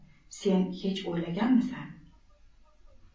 sen hech o'ylaganmisan